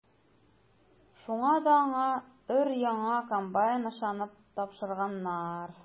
Шуңа да аңа өр-яңа комбайн ышанып тапшырганнар.